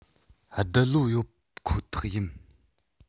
རྡུལ གློ ཡོད ཁོ ཐག ཡིན